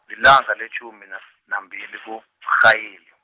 lilanga letjhumi nam- , nambili, kuMrhayili.